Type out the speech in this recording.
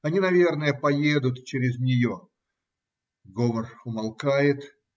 Они, наверно, поедут через нее. Говор умолкает.